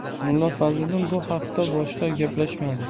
mulla fazliddin bu haqda boshqa gaplashmadi